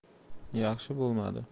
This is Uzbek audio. yaxshi bo'lmadi